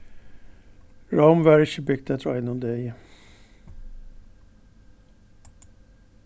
rom varð ikki bygt eftir einum degi